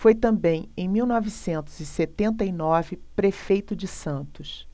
foi também em mil novecentos e setenta e nove prefeito de santos